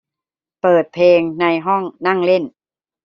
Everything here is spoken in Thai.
เปิดเพลงในห้องนั่งเล่น